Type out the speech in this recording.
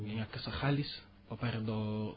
mu yàq sa xaalis ba pare doo